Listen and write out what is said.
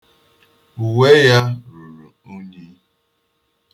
Uwe ya ruru unyi.